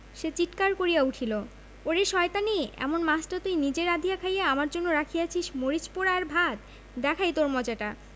সে চিৎকার করিয়া উঠিল ওরে শয়তানী এমন মাছটা তুই নিজে খাইয়া আমার জন্য রাখিয়াছিস্ মরিচ পোড়া আর ভাত দেখাই তোর মজাটা